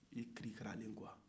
i kirikaralendon kuwa